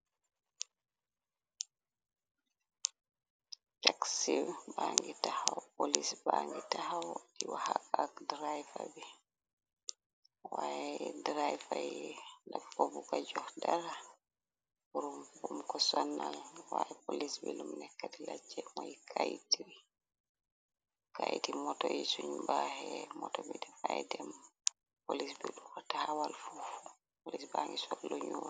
Taxi siiw ba ngi taxaw polis ba ngi taxaw di waxak ak driver bi waaye driver yi dak fobu ka jox dara r bum ko sonnal waaye polis bi lum nekkati lacce moy kayti moto yi suñu baaxe moto bi dafay dem polis duuko taxawal fu polis ba ngi sollu ñyuul.